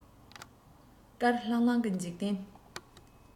དཀར ལྷང ལྷང གི འཇིག རྟེན